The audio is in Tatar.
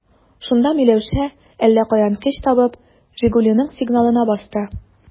Шунда Миләүшә, әллә каян көч табып, «Жигули»ның сигналына басты.